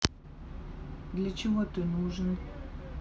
для чего ты нужен